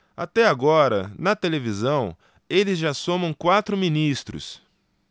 até agora na televisão eles já somam quatro ministros